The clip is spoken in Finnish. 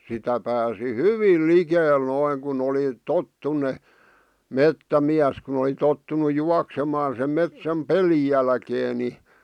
sitä pääsi hyvin likelle noin kun oli tottuneet metsämies kun oli tottunut juoksemaan sen metsän pelin jälkeen niin